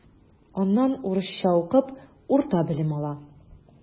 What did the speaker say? Аннан урысча укып урта белем ала.